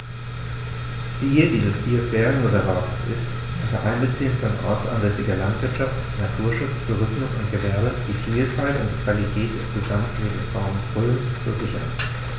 Ziel dieses Biosphärenreservates ist, unter Einbeziehung von ortsansässiger Landwirtschaft, Naturschutz, Tourismus und Gewerbe die Vielfalt und die Qualität des Gesamtlebensraumes Rhön zu sichern.